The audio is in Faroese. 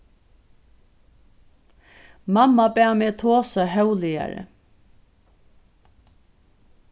mamma bað meg tosa hóvligari